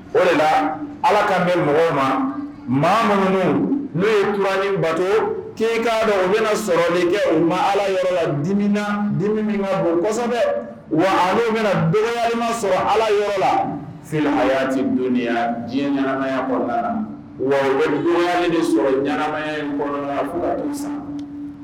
O de la ala kan bɛ mɔgɔ ma maa ma minnu n'o ye tuma bato kinkan dɔ u bɛna sɔrɔli kɛ u ma ala yɔrɔ la dimina di bon kosɛbɛ wa bɛna bere ma sɔrɔ ala yɔrɔ la seli a y'a don de diɲɛmaya kɔnɔ la wa bɛduya de sɔrɔmaya in kɔnɔ la san